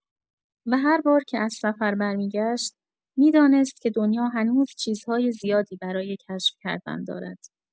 و هر بار که از سفر برمی‌گشت، می‌دانست که دنیا هنوز چیزهای زیادی برای کشف کردن دارد.